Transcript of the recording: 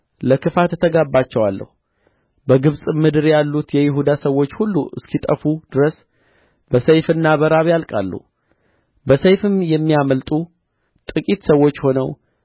ለክፋት እተጋባቸዋለሁ በግብጽም ምድር ያሉት የይሁዳ ሰዎች ሁሉ እስኪጠፉ ድረስ በሰይፍና በራብ ያልቃሉ ከሰይፍም የሚያመልጡ ጥቂት ሰዎች ሆነው